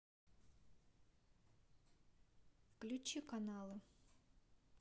включи каналы